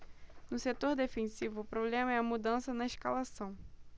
no setor defensivo o problema é a mudança na escalação